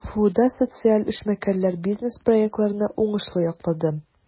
КФУда социаль эшмәкәрләр бизнес-проектларны уңышлы яклады.